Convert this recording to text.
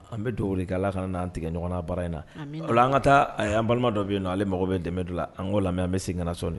An bɛ dugawu kɛ ala ka n'an tigɛɲɔgɔn bara in na an ka taa a anan balima dɔ yen ale mago bɛ dɛmɛ dun an'o lamɛn an bɛ segin kana sɔn